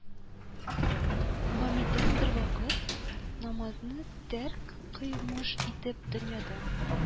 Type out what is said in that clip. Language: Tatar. Гаммидән1 бервакыт намазны тәрк кыйлмыш идем, дөньяда